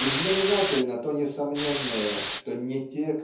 И знаменательно то несомненное что не те